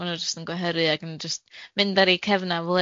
Ma' nw jyst yn gwehyru ac yn jyst mynd ar ei cefna